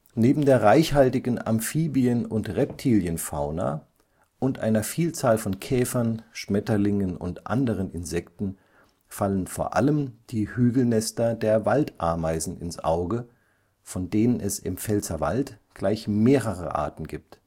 Neben der reichhaltigen Amphibien - und Reptilienfauna und einer Vielzahl von Käfern, Schmetterlingen und anderen Insekten fallen vor allem die Hügelnester der Waldameisen ins Auge, von denen es im Pfälzerwald gleich mehrere Arten gibt